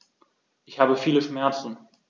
Ich habe viele Schmerzen.